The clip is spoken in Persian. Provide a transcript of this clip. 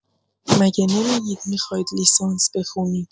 مگه نمی‌گید میخواید لیسانس بخونید؟